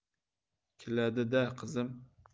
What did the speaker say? keladi da qizim